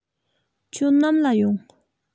ཁྱོད ནམ ལ ཡོང